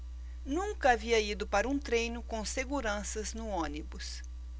nunca havia ido para um treino com seguranças no ônibus